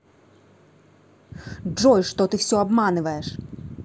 джой что ты все обманываешь